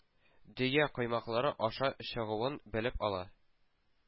Дөя “коймаклары” аша чыгуын белеп ала.